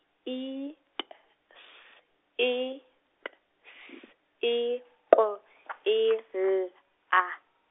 I T S E T S E P E L A.